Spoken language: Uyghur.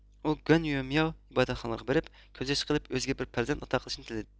ئۇ گۇەنيۆمياۋ ئىبادەتخانىلىرىغا بېرىپ كۆز يېشى قىلىپ ئۆزىگە بىر پەرزەنت ئاتا قىلىشنى تىلىدى